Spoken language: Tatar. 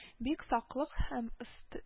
Бик саклык һәм өст